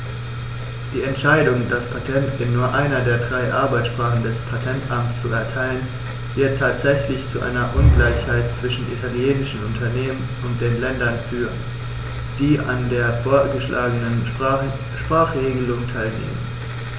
Die Entscheidung, das Patent in nur einer der drei Arbeitssprachen des Patentamts zu erteilen, wird tatsächlich zu einer Ungleichheit zwischen italienischen Unternehmen und den Ländern führen, die an der vorgeschlagenen Sprachregelung teilnehmen.